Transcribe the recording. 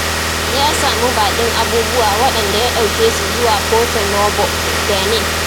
Ya samu baƙin abubuwa waɗanda ya ɗauke su zuwa Porto-Noɓo, Benin.